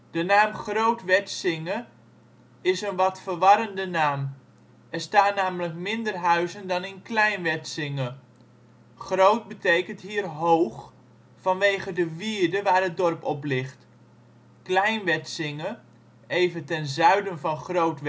De naam Groot Wetsinge is een wat verwarrende naam; er staan namelijk minder huizen dan in Klein Wetsinge. Groot betekent hier hoog, vanwege de wierde waar het dorp op ligt. Klein Wetsinge, even ten zuiden van Groot